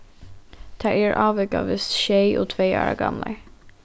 tær eru ávikavist sjey og tvey ára gamlar